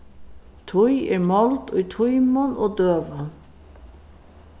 tíð er máld í tímum og døgum